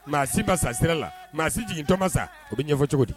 Maa si ma sa sira la, maa si jigin to ma sa o bɛ ɲɛfɔ cogo di?